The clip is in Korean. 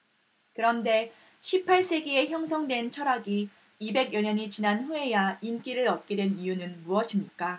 그런데 십 팔 세기에 형성된 철학이 이백 여 년이 지난 후에야 인기를 얻게 된 이유는 무엇입니까